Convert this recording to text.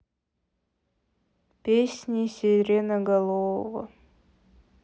песни сиреноголового